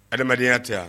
Hadamadenya tɛ wa